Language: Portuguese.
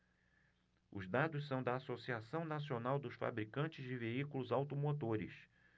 os dados são da anfavea associação nacional dos fabricantes de veículos automotores